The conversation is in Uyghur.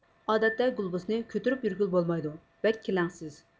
ئادەتتە گۇلوبۇسنى كۆتۈرۈپ يۈرگىلى بولمايدۇ بەك كېلەڭسىز